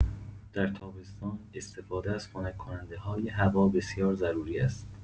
در تابستان، استفاده از خنک‌کننده‌های هوا بسیار ضروری است.